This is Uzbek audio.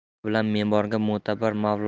shu bilan memorga mo'tabar